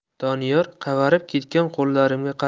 doniyor qavarib ketgan qo'llarimga qaradi